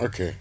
ok